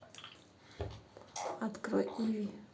открой иви